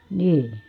niin